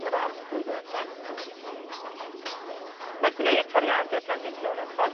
yn yr ardd flwyddyn nesa. Ma' gwneud toriade planhigion yn ffordd